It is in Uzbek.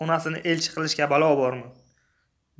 onasini elchi qilishga balo bormi